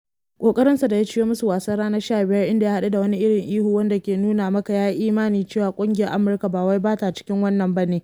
Ƙoƙarinsa da ya ciyo musu wasan ranar 15 inda ya haɗu da irin ihun, wanda ke nuna maka ya yi imani cewa ƙungiyar Amurkan ba wai ba ta cikin wannan ba ne.